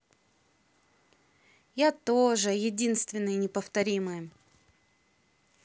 я тоже единственные неповторимые